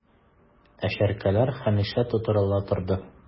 Ә чәркәләр һәмишә тутырыла торды...